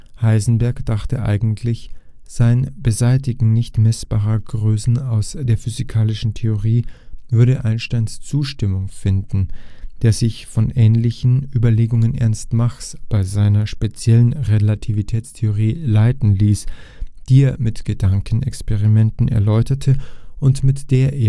Heisenberg dachte eigentlich, sein Beseitigen nicht-messbarer Größen aus der physikalischen Theorie würde Einsteins Zustimmung finden, der sich von ähnlichen Überlegungen Ernst Machs bei seiner speziellen Relativitätstheorie leiten ließ, die er mit Gedankenexperimenten erläuterte und mit der